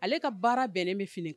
Ale ka baara bɛnnen bɛ fini kan